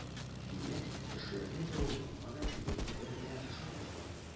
Димәк, кешеләрне дәвалауга да килеп җитәренә ышаныч бар.